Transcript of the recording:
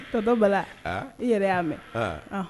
Tɔto bala i yɛrɛ y'a mɛn